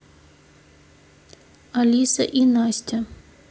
алиса и настя